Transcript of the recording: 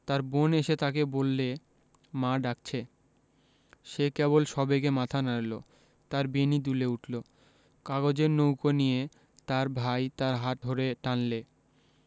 তার বোন এসে তাকে বললে মা ডাকছে সে কেবল সবেগে মাথা নাড়ল তার বেণী দুলে উঠল কাগজের নৌকো নিয়ে তার ভাই তার হাত ধরে টানলে